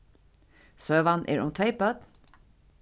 søgan er um tvey børn